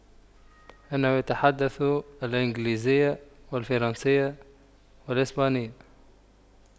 أنه يتحدث الإنجليزية والفرنسية والاسبانية